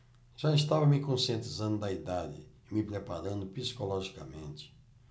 já estava me conscientizando da idade e me preparando psicologicamente